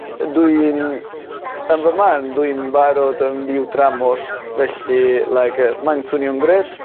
Ydw i'n yn fy marn dwi'n barod yn byw dramor felly like yy mae'n swnio'n grêt.